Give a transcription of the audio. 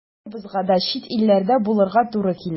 Барыбызга да чит илләрдә булырга туры килә.